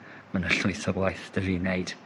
Ma' 'na llwyth o gwaith 'da fi wneud